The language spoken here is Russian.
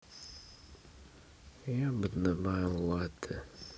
я бы добавил латте